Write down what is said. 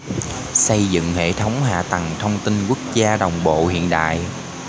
xây dựng hệ thống hạ tầng thông tin quốc gia đồng bộ hiện đại